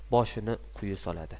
boshini quyi soladi